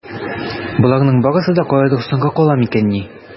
Боларның барсы да каядыр соңга кала микәнни?